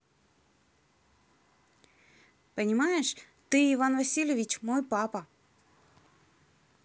понимаешь ты иван васильевич мой папа